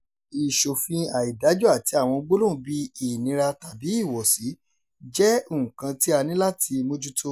Ìṣòfin àìdájú àti àwọn gbólóhùn bíi "ìnira" tàbí "ìwọ̀sí" jẹ́ nǹkan tí a ní láti mójútó.